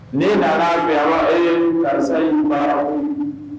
Ne nana mɛba i masa baara